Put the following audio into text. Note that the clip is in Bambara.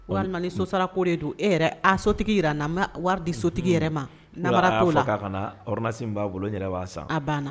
Ni sosara ko de don e yɛrɛ a sotigi jira wari di sotigi yɛrɛ ma la ka kasin b'a bolo yɛrɛ b'a san banna